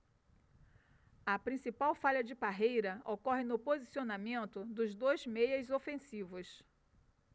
a principal falha de parreira ocorre no posicionamento dos dois meias ofensivos